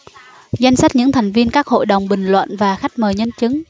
danh sách những thành viên các hội đồng bình luận và khách mời nhân chứng